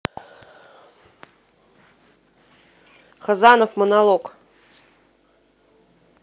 хазанов монолог